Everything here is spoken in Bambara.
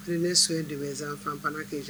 Ne so ye de fan pan k'e jɔ